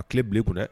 A clef bil'i kun dɛ !